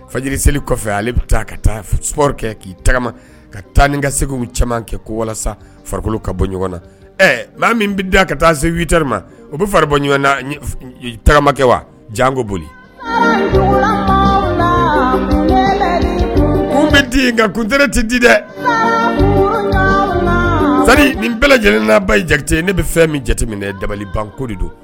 Fajiri selieli kɔfɛ ale bɛ taa ka taa sumaworo kɛ k'i tagama ka taa ni ka segu caman kɛ ko walasa farikolokolo ka bɔ ɲɔgɔn na ɛ n min bɛ da ka taa segutari ma o bɛ fari bɔ tagamakɛ wa janko boli mun bɛ di yen nka kunt tɛ di dɛ nin bɛɛ lajɛlen n' ba ye jatekite ye ne bɛ fɛn min jateminɛ dabali ban ko de don